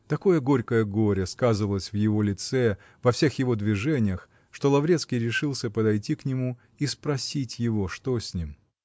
Такое горькое горе сказывалось в его лице, во всех его движениях, что Лаврецкий решился подойти к нему и спросить его, что с ним.